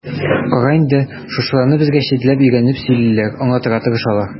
Кара инде, шушыларны безгә читләр өйрәнеп сөйлиләр, аңлатырга тырышалар.